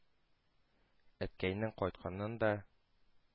Әткәйнең кайтканын да,